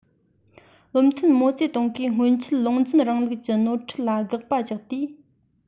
བློ མཐུན མའོ ཙེ ཏུང གིས སྔོན ཆད ལུང འཛིན རིང ལུགས ཀྱི ནོར འཁྲུལ ལ དགག པ རྒྱག དུས